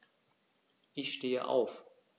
Ich stehe auf.